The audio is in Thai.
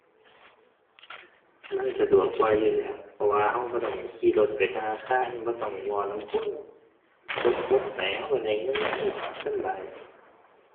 มันสะดวกกว่าอยู่แล้ว เพราะว่าเราบ่ต้องขี่รถไปธนาคาร บ่ต้องเว้านำคน กดกดไปเราเราได้เงินเลย สำบาย